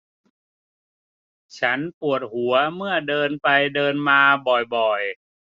ฉันปวดหัวเมื่อเดินไปเดินมาบ่อยบ่อย